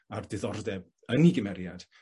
a'r diddordeb yn 'i gymeriad